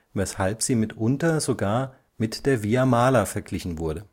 weshalb sie mitunter sogar mit der Via Mala verglichen wurde